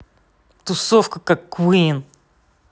трусова как queen